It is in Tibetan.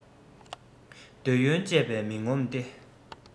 འདོད ཡོན སྤྱད པས མི ངོམས ཏེ